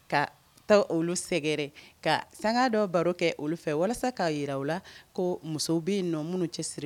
Ka taa olu sɛgɛrɛ ka sanga dɔ baro kɛ olu fɛ walasa k'a jira u la ko muso bɛ n nɔ minnu cɛ siri